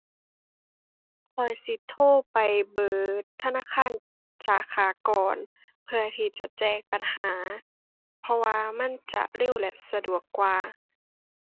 ข้อยสิโทรไปเบอร์ธนาคารสาขาก่อนเพื่อที่จะแจ้งปัญหา เพราะว่ามันจะเร็วและสะดวกกว่า